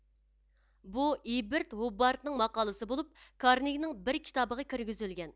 بۇ ئېببېرت ھوبباردنىڭ ماقالىسى بولۇپ كارنىگنىڭ بىر كىتابىغا كىرگۈزۈلگەن